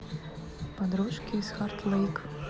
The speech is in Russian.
подружки из хартлейк